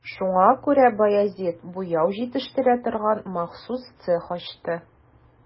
Шуңа күрә Баязит буяу җитештерә торган махсус цех ачты.